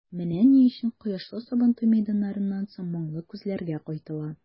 Менә ни өчен кояшлы Сабантуй мәйданнарыннан соң моңлы күзләргә кайтыла.